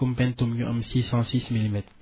Koumpentoum ñu am six cent six milimètres